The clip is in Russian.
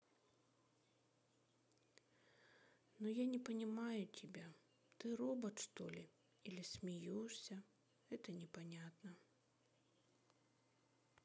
но я не понимаю тебя ты робот чтоли или смеешься это непонятно